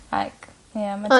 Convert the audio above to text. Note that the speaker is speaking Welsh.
Ac ie ma'n...